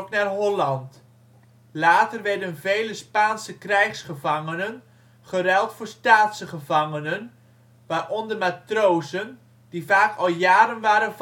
naar Holland. Later werden vele Spaanse krijgsgevangenen geruild voor Staatse gevangenen, waaronder matrozen die vaak al jaren waren